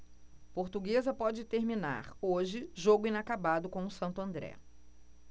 portuguesa pode terminar hoje jogo inacabado com o santo andré